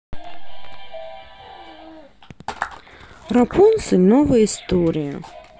рапунцель новая история